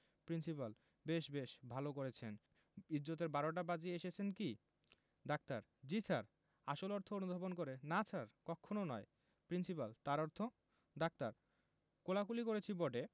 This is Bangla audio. প্রিন্সিপাল বেশ বেশ ভালো করেছেন ইজ্জতের বারোটা বাজিয়ে এসেছেন কি ডাক্তার জ্বী স্যার আসল অর্থ অনুধাবন করে না স্যার কক্ষণো নয় প্রিন্সিপাল তার অর্থ ডাক্তার কোলাকুলি করেছি বটে